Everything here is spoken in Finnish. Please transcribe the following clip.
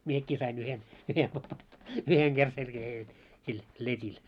minäkin sain yhden yhden yhden kerran selkään jotta sillä letillä